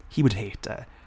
He would hate it,